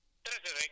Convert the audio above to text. déedéet bokku si